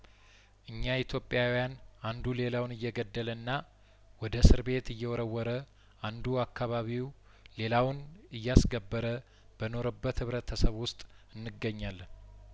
እኛ ኢትዮጵያውያን አንዱ ሌላውን እየገደለና ወደ እስር ቤት እየወረወረ አንዱ አካባቢው ሌላውን እያስ ገበረ በኖረ በት ህብረተሰብ ውስጥ እንገኛለን